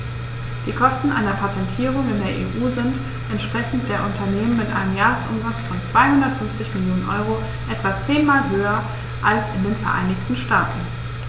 Die Kosten einer Patentierung in der EU sind, entsprechend der Unternehmen mit einem Jahresumsatz von 250 Mio. EUR, etwa zehnmal höher als in den Vereinigten Staaten.